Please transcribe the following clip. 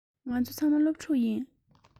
ང ཚོ ཚང མ སློབ ཕྲུག ཡིན